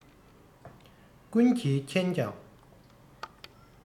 ཀུན གྱིས མཁྱེན ཀྱང